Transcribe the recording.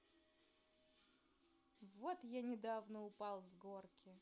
вот я недавно упал с горки